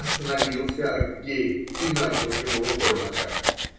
Остановился Аггей и начал ему рукой махать.